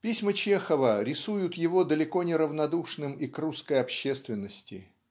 Письма Чехова рисуют его далеко не равнодушным и к русской общественности.